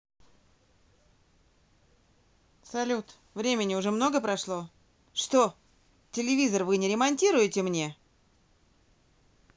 салют времени уже много прошло что телевизор вы не ремонтируете мне